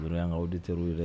Aw de tɛ' yɛrɛ ye